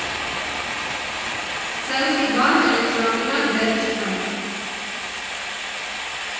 Սելֆի բառը էն ժամանակ դեռ չկար։